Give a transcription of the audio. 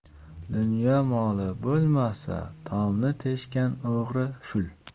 dunyo moli bo'lmasa tomni teshgan o'g'ri shul